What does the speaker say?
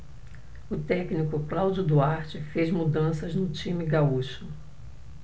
o técnico cláudio duarte fez mudanças no time gaúcho